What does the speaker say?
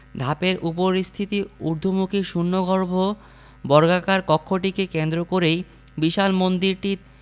ধাপের উপরিস্থিতই ঊর্ধ্বমুখী শূন্যগর্ভ বর্গাকার কক্ষটিকে কেন্দ্র করেই বিশাল মন্দিরটি